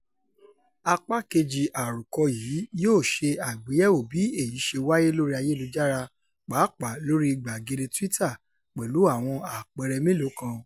Apá kejì àròkọ yìí yóò ṣe àgbéyẹ̀wò bí èyí ṣe wáyé lórí ayélujára, pàápàá lóríi gbàgede Twitter, pẹ̀lú àwọn àpẹẹrẹ mélòó kan.